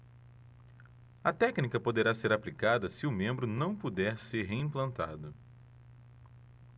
a técnica poderá ser aplicada se o membro não puder ser reimplantado